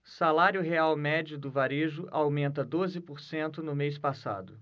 salário real médio do varejo aumenta doze por cento no mês passado